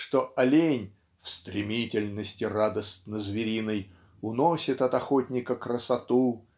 что олень "в стремительности радостно-звериной" уносит от охотника красоту